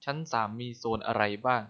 ชั้นสามมีโซนอะไรบ้าง